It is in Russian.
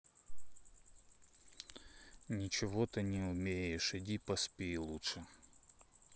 ничего ты не умеешь иди поспи лучше